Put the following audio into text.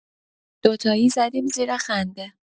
دوتایی زدیم زیر خنده